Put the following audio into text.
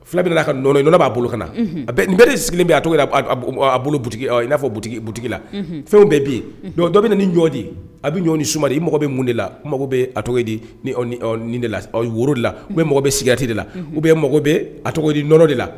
Fila bɛna na a ka n nɔɔnɔ n b'a bolo ka na n bere sigilen bɛ a tɔgɔ bolo i n'a fɔ bu la fɛn bɛ bi dɔ bɛ ni ɲɔdi di a bɛ ɲɔ ni sumauma di mɔgɔ bɛ mun de la mago bɛ a tɔgɔ di ni de la woro dela u ye mɔgɔ bɛ sigati de la u bɛ bɛ a cogo di nɔnɔ de la